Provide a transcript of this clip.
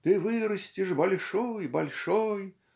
"Ты вырастешь большой, большой!